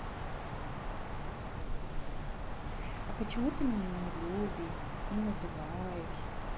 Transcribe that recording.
а почему ты меня не люби не называешь